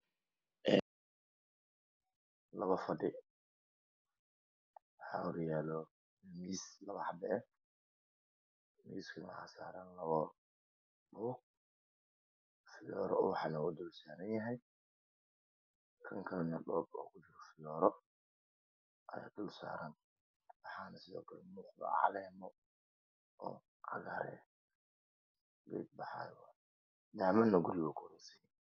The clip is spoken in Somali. Labo fadhi waxaa horyaala miis labo xabo ah waxaa saaran labo buug iyo ubax, kan kalana waxaa saaran ubax waxaa iiga muuqdo caleemo. Gurigana waxaa kuwareegsan daahman.